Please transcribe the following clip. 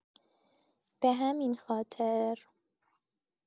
به همین خاطر